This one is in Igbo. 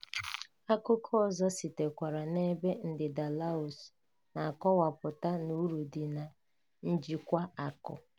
Akụkọ ọzọ sitekwara n'ebe ndịda Laos na-akọwapụta n'uru dị na njikwa akụ: